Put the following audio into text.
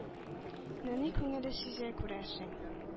Нәни күңеле сизә, күрәсең!